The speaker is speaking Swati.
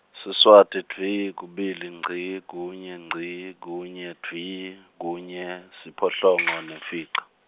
Siswati dvwi, kubili ngci, kunye ngci, kunye dvwi, kunye, siphohlongo, nemfica.